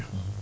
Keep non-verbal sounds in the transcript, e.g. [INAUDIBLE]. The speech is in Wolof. [HESITATION] [HESITATION]